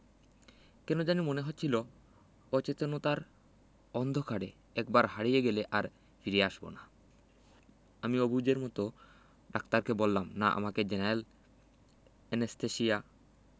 কেন জানি মনে হচ্ছিলো অচেতনতার অন্ধকারে একবার হারিয়ে গেলে আর ফিরে আসবো না আমি অবুঝের মতো ডাক্তারকে বললাম না আমাকে জেনারেল অ্যানেসথেসিয়া